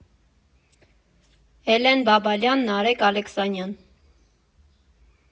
Էլեն Բաբալյան Նարեկ Ալեքսանյան։